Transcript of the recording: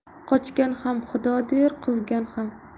qochgan ham xudo der quvgan ham